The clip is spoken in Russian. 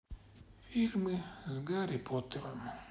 фильмы с гарри поттером